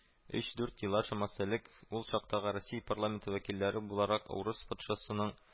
Өч-дүрт еллар чамасы элек, ул чактагы Россия парламенты вәкилләре буларак, урыс патшасының